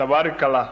tabaarikala